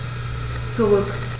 Zurück.